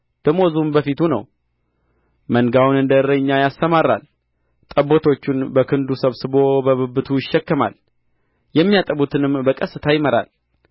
ደመወዙም በፊቱ ነው መንጋውን እንደ እረኛ ያሰማራል ጠቦቶቹን በክንዱ ሰብስቦ በብብቱ ይሸከማል የሚያጠቡትንም በቀስታ ይመራል